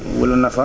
Wulu Nafa